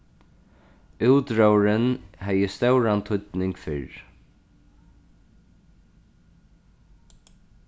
útróðurin hevði stóran týdning fyrr